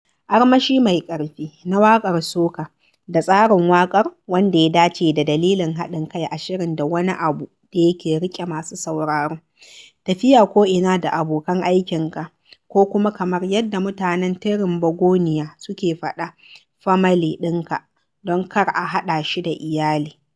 armashi mai "ƙarfi na waƙar soca" da tsarin waƙar wanda ya dace da dalilin haɗin kai a shirin da wani abu da yake riƙe masu sauraro - tafiya ko'ina da abokan aikinka, ko kuma kamar yadda mutanen Tirinbagoniya suke faɗa, "famalay" ɗinka (don kar a haɗa shi da "iyali"):